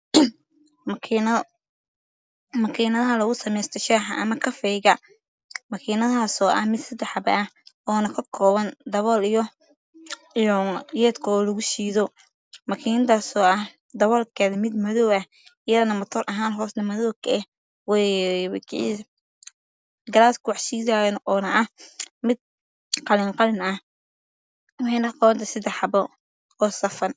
Makinado makinadaha lgu sameysto shaxa ama kafeyda makinadahas oo ah mid sedax xabo ah oona ka kooban dabool iyo gedkoo lagu shiido makiinadasoo ah daboolkeda mid madoow ah iyadana mator ahan hosna madow ka ah galaska wax shiidayana ah mid qalin qalin ah waxeyna ka kobantahay sedax xabo o safan